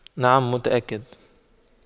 نعم متأكد